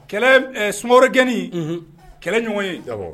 Kɛlɛɛ b ɛɛ Sumaworo gɛnniin unhun kɛlɛ ɲɔgɔn ye awɔ